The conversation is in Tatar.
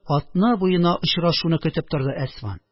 Атна буена очрашуны көтеп торды әсфан